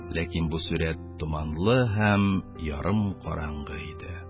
Ләкин бу сурәт томанлы һәм ярым караңгы иде.